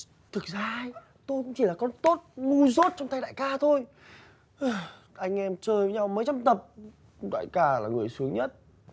thực ra ý tôi cũng chỉ là con tốt ngu dốt trong tay đại ca thôi anh em chơi với nhau mấy trăm tập đại ca là người sướng nhất